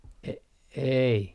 - ei